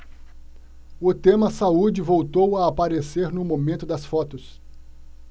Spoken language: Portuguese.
o tema saúde voltou a aparecer no momento das fotos